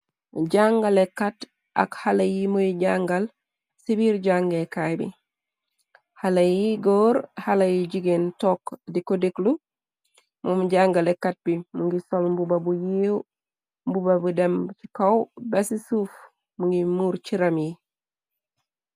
jàngalekat ak xalé yi muy jangal ci biir jàngekaay bi xalé yi góor xalé yi jugéen tokk di ko deklu moom jangale kat bi mu ngir sol yiw mbuba bu dem ci kaw baci suuf mngi muur ciram yi